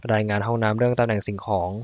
รายงานห้องน้ำเรื่องตำแหน่งสิ่งของ